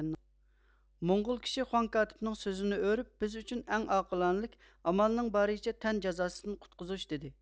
موڭغۇل كىشى خۇاڭ كاتىپنڭ سۆزىنى ئۆرۈپ بىز ئۈچۈن ئەڭ ئاقلانىلىك ئامالنىڭ بارىچە تەن جازاسىدىن قۇتقۇزۇش دىدى